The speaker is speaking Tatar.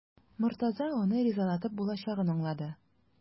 Мортаза аны ризалатып булачагын аңлады.